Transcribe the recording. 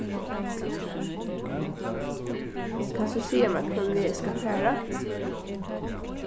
kanst tú siga mær hvønn veg eg skal fara